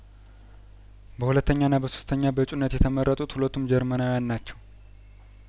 በሁለተኛና በሶስተኛ በእጩነት የተቀመጡት ሁለቱም ጀርመናዊያን ናቸው